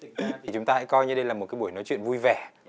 chúng ta hãy coi như đây là một cái buổi nói chuyện vui vẻ